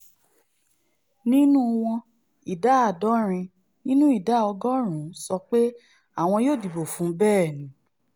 Nínú wọ̀n, ìdá àádọ́rin nínú ìdá ọgọ́ọ̀rún sọ pé àwọn yóò dìbò fún bẹ́ẹ̀ni.